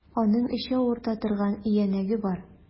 Аның эче авырта торган өянәге бар.